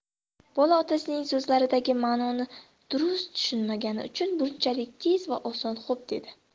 bola otasining so'zlaridagi manoni durust tushunmagani uchun bunchalik tez va oson xo'p dedi